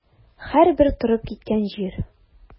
Һәрбер торып киткән җир.